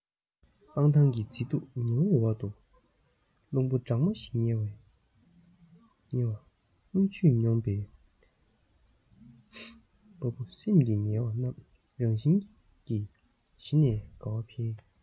སྤང ཐང གི མཛེས སྡུག ཉི འོད འོག ཏུ རླུང བུ གྲང མོ ཞིག ལྡང བ རྔུལ ཆུས མྱོས པའི བ སྤུ སེམས ཀྱི ངལ བ རྣམས རང བཞིན གྱིས ཞི ནས དགའ བ འཕེལ